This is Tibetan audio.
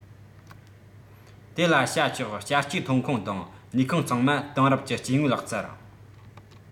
དེ ལ བྱ ཆོག བསྐྱར སྐྱེའི ཐོན ཁུངས དང ནུས ཁུངས གཙང མ དེང རབས ཀྱི སྐྱེ དངོས ལག རྩལ